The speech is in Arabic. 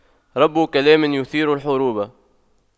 رب كلام يثير الحروب